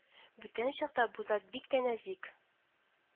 Бүтән чакта бу зат бик тә нәзик